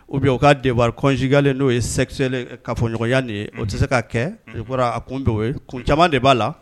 O bɛ o ka dewari kɔnsikalen n'o ye sɛsɛ ka fɔɲɔgɔnya nin ye o tɛ se ka kɛ bɔra kun bɛ kun caman de b'a la